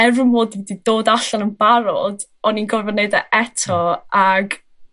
Er fy mod wedi dod allan yn barod, o'n i'n gorfo neud e eto ag